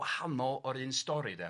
wahanol o'r un stori 'de.